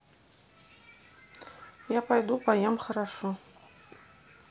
я пойду поем хорошо